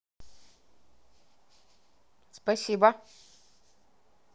спосибо